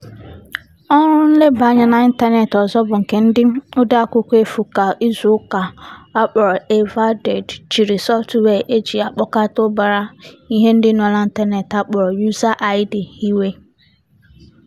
Ọrụ nleba anya n'ịtanetị ọzọ bụ nke ndị ode akwụkwọ efu kwa ezu ụka akpọrọ A Verdade jiri sọftwịa eji ekpokota ụbara ihe ndị nọ n'ịtanet akpọrọ Ushahidi hiwe.